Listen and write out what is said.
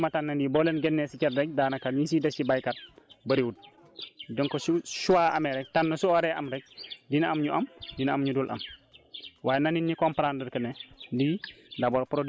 dama xam ne tamit béykat yi si Thiel si village yi ma tànn nii boo leen génnee si Thiel rek daanaka ñi siy des si béykat bëriwul donc su xhoix amee rek tànn su waree am rek dina am ñu am dina am ñu dul am